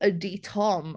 ydy Tom.